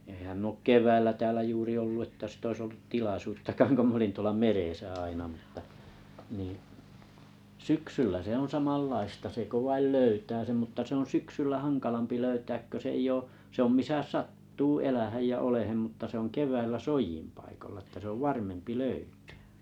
enhän minä ole keväällä täällä juuri ollut että sitä olisi oltu tilaisuuttakaan kun minä olin tuolla meressä aina mutta niin syksyllä se on samanlaista se kun vain löytää sen mutta se on syksyllä hankalampi löytää kun se ei ole se on missä sattuu elämään ja olemaan mutta se on keväällä soidinpaikolla että se on löytää